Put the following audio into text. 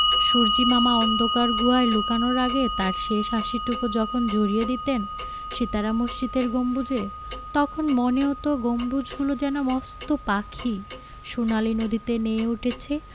সূর্য্যিমামা অন্ধকার গুহায় লুকানোর আগে তাঁর শেষ হাসিটুকু যখন ঝরিয়ে দিতেন সিতারা মসজিদের গম্বুজে তখন মনে হতো গম্বুজগুলো যেন মস্ত পাখি সোনালি নদীতে নেয়ে উঠেছে